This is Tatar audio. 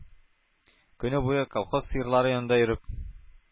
Көне буе колхоз сыерлары янында йөреп